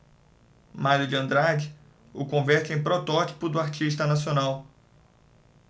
mário de andrade o converte em protótipo do artista nacional